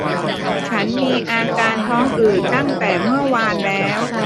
ฉันมีอาการท้องอืดตั้งแต่เมื่อวานแล้ว